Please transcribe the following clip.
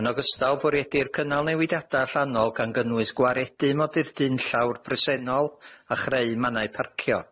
Yn ogystal, bwriedir cynnal newidiada allanol gan gynnwys gwaredu modurdy unllawr presennol a chreu mannau parcio.